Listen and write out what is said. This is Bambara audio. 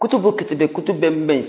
kutubu-ketebe kutubɛnbɛn